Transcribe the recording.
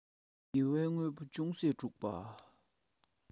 དགེ བའི དངོས པོ ཅུང ཟད སྒྲུབ པ